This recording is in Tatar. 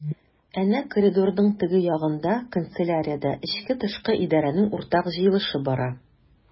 Әнә коридорның теге ягында— канцеляриядә эчке-тышкы идарәнең уртак җыелышы бара.